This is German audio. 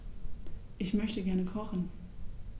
Ich möchte gerne kochen.